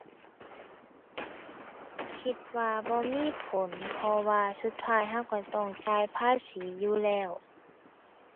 คิดว่าบ่มีผล เพราะว่าสุดท้ายเราเราต้องจ่ายภาษีอยู่แล้ว